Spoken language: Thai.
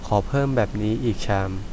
ขอเพิ่มแบบนี้อีกชาม